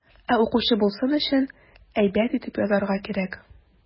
Ә укучы булсын өчен, әйбәт итеп язарга кирәк.